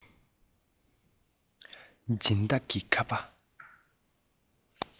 སྦྱིན བདག གི ཁ པ